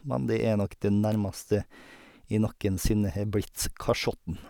Men det er nok det nærmeste jeg noen sinne har blitt kasjotten.